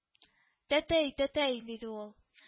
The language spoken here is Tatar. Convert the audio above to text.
— тәтәй! тәтәй! — диде ул